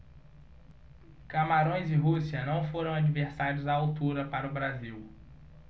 camarões e rússia não foram adversários à altura para o brasil